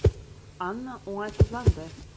Анна уңайсызланды.